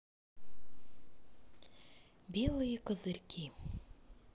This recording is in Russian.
белые козырьки